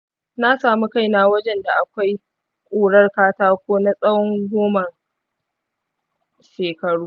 na samu kaina wajen da akwai ƙurar katako na tsawon gomman shekaru